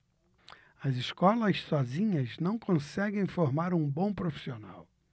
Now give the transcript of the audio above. as escolas sozinhas não conseguem formar um bom profissional